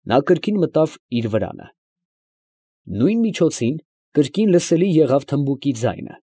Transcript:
Նա կրկին մտավ իր վրանը։ Նույն միջոցին կրկին լսելի եղավ թմբուկի ձայնը։